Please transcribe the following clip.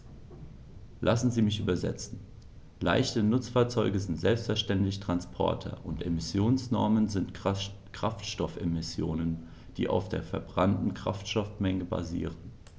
Lassen Sie mich übersetzen: Leichte Nutzfahrzeuge sind selbstverständlich Transporter, und Emissionsnormen sind Kraftstoffemissionen, die auf der verbrannten Kraftstoffmenge basieren.